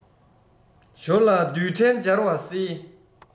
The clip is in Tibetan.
ཞོ ལ རྡུལ ཕྲན འབྱར བ སེལ